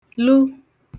lu